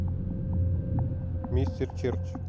мистер черч